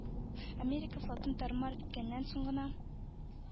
Америка флотын тар-мар иткәннән соң гына